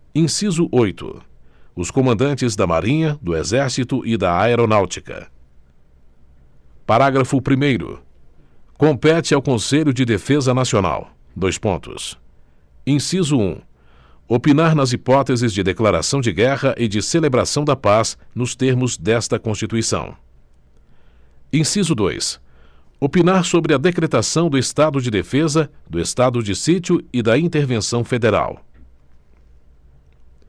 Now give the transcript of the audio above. inciso oito os comandantes da marinha do exército e da aeronáutica parágrafo primeiro compete ao conselho de defesa nacional dois pontos inciso um opinar nas hipóteses de declaração de guerra e de celebração da paz nos termos desta constituição inciso dois opinar sobre a decretação do estado de defesa do estado de sítio e da intervenção federal